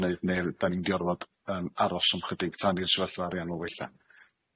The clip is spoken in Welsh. yn neud neu da ni'n mynd i orfod yym aros am chydig tan i'r sefyllfa arian o wella.